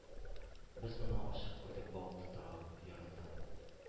Без моны ачык күрдек балык тотарга ярата.